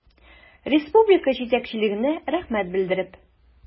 Республика җитәкчелегенә рәхмәт белдереп.